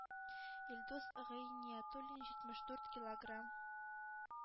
Илдус Гыйниятуллин җитмеш дүрт киллограм